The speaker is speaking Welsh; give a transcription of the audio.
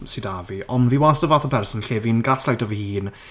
sydd 'da fi ond fi wastad y fath o person lle fi'n gaslaito fy hun...